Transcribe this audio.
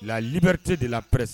La liberté de la presse